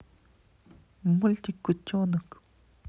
мультик котенок